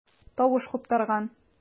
Тавыш куптарган.